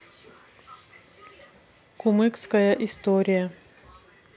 кумыкская история